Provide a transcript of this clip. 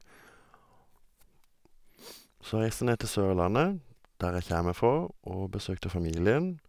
Så reiste jeg ned til Sørlandet, der jeg kjeme fra, og besøkte familien.